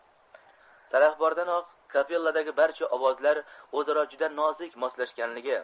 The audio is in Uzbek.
saraxbordanoq kapelladagi barcha ovozlar o'zaro juda nozik moslashganligi